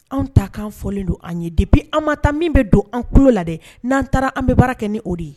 An ta kan fɔlen don an ye de bi an mata min bɛ don an tulo la dɛ n'an taara an bɛ baara kɛ ni o de ye